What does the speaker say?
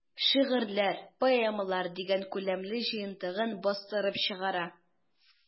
"шигырьләр, поэмалар” дигән күләмле җыентыгын бастырып чыгара.